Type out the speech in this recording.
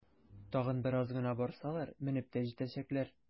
Тагын бераз гына барсалар, менеп тә җитәчәкләр!